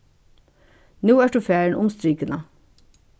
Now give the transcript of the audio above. nú ert tú farin um strikuna